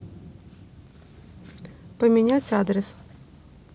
поменять адрес